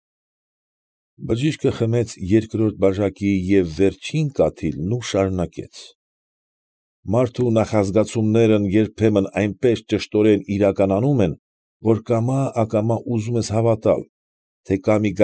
Բժիշկը խմեց երկրորդ բաժակի և վերջին կաթիլն ու շարունակեց. ֊ Մարդու նախազգացումներն երբեմն այնպես ճշտորեն իրականանում են, որ կամա֊ակամա ուզում ես հավատալ, թե կա մի։